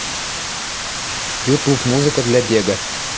ютуб музыка для бега